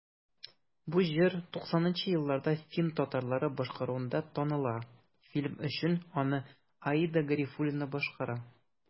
Бу җыр 90 нчы елларда фин татарлары башкаруында таныла, фильм өчен аны Аида Гарифуллина башкара.